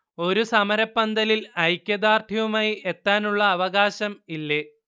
ഒരു സമരപന്തലിൽ ഐക്യദാർഢ്യവുമായി എത്താനുള്ള അവകാശം ഇല്ലേ